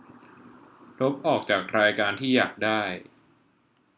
ลบออกจากรายการที่อยากได้